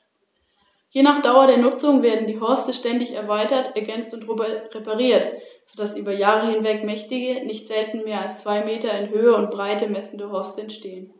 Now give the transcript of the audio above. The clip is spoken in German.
Der römische Feldherr Scipio setzte nach Afrika über und besiegte Hannibal bei Zama.